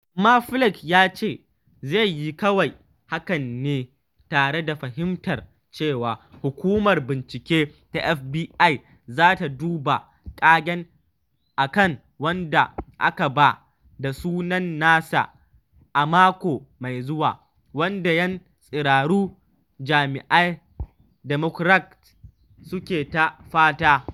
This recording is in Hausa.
Amma Flake ya ce zai yi kawai hakan ne tare da fahimtar cewa hukumar bincike ta FBI za ta duba ƙagen a kan wanda aka ba da sunan nasa a mako mai zuwa, wanda ‘yan tsiraru jam’iyyar Democrat suke ta fata.